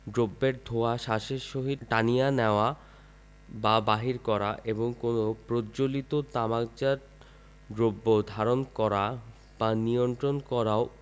দ্রব্যের ধোঁয়া শ্বাসের সহিত টানিয়া নেওয়া বা বাহির করা এবং কোন প্রজ্বলিত তামাকজাত দ্রব্য ধারণ করা বা নিয়ন্ত্রণ করাও